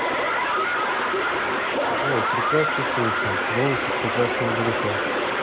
джой прекрасно слышу голос из прекрасного далека